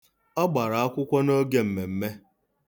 Ọ gbara akwụkwọ n'oge mmemme.